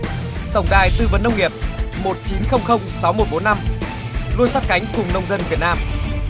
tổng đài tư vấn nông nghiệp một chín không không sáu một bốn năm luôn sát cánh cùng nông dân việt nam